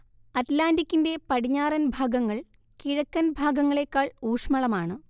അറ്റ്‌ലാന്റിക്കിന്റെ പടിഞ്ഞാറൻ ഭാഗങ്ങൾ കിഴക്കൻ ഭാഗങ്ങളേക്കാൾ ഊഷ്മളമാണ്